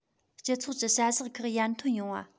སྤྱི ཚོགས ཀྱི བྱ གཞག ཁག ཡར ཐོན ཡོང བ